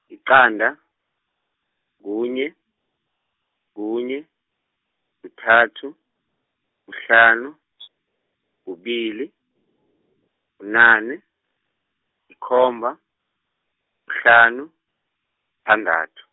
yiqanda, kunye, kunye, kuthathu, kuhlanu , kubili, bunane, yikomba, kuhlanu, thandathu.